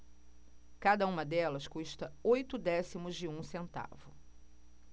cada uma delas custa oito décimos de um centavo